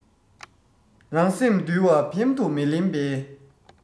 རང སེམས འདུལ བ འབེམ དུ མི ལེན པའི